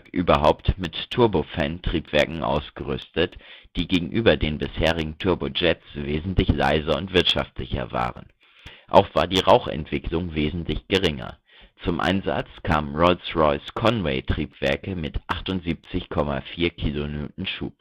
überhaupt mit Turbofan-Triebwerken ausgerüstet, die gegenüber den bisherigen Turbojets wesentlich leiser und wirtschaftlicher waren. Auch war die Rauchentwicklung wesentlich geringer. Zum Einsatz kamen Rolls-Royce Conway Triebwerke mit 78,40 kN Schub